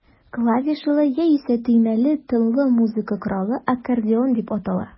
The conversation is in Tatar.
Клавишалы, яисә төймәле тынлы музыка коралы аккордеон дип атала.